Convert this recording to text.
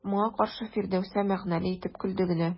Моңа каршы Фирдәүсә мәгънәле итеп көлде генә.